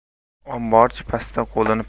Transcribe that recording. omborchi pastda qo'lini